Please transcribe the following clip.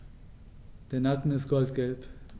Der Nacken ist goldgelb.